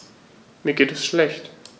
Mir geht es schlecht.